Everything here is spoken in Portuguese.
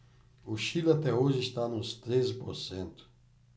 o chile até hoje está nos treze por cento